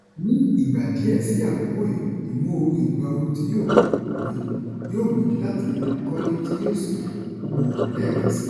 Ní ìgbà díẹ̀ sí àkókò yìí, ìmóoru ìgbà ooru tí yóò pẹ́ yóò gbìyànjù láti kọ́lé tí yóò sì gbòòrò lẹ́ẹ̀kan síi.